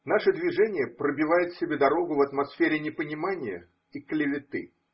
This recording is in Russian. Наше движение пробивает себе дорогу в атмосфере непонимания и клеветы.